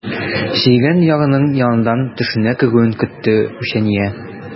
Сөйгән ярының яңадан төшенә керүен көтте үчәния.